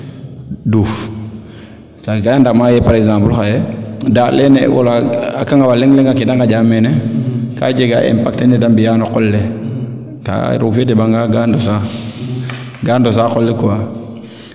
duuf ka ndama ye par exemple xaye daand lene wala a kangafa leŋ leŋa ke de ngaƴa meene ka jega impact ke de ngaƴa no qol le roog fe deɓanga ka naxa ga ndosa koɓale quoi